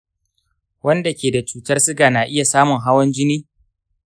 wanda ke da cutar suga na iya samun hawan jini?